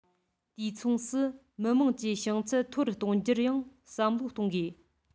དུས མཚུངས སུ མི དམངས ཀྱི བྱང ཚད མཐོ རུ གཏོང རྒྱུར ཡང བསམ བློ གཏོང དགོས